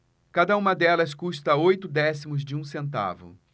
cada uma delas custa oito décimos de um centavo